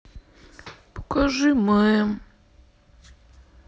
покажи мем